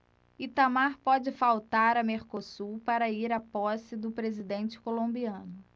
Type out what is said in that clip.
itamar pode faltar a mercosul para ir à posse do presidente colombiano